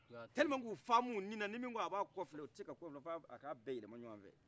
telima k' u faa m' u ninna nin min k'a ba kɔfilɛ o tise ka kɔfiɛ f' a ka bɛ yɛlɛma ɲɔgɔnfɛ